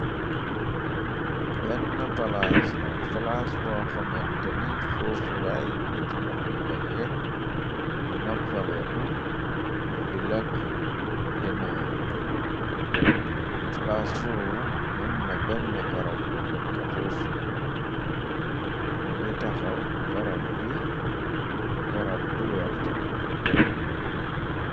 Benn palaas la palaas boo xamante ni foofulaay niti yi di daje di noppaleku di lëkk denaan flaas fowu amna benn garab bu nekk foufu mo ngi taxaw garab bi garab bu werto la.